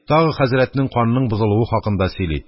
Тагы хәзрәтнең канының бозылуы хакында сөйли